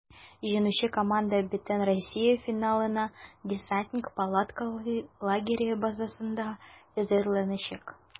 Җиңүче команда бөтенроссия финалына "Десантник" палаткалы лагере базасында әзерләнәчәк.